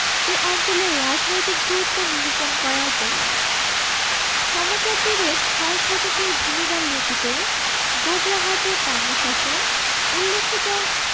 এ অঞ্চলের রাজনৈতিক গুরুত্ব নিরূপন করা যায় সমাচার দেবের ছয় শতকের ভূমিদান লিপিতে গোগরাহাটি তাম্রশাসন উল্লেখিত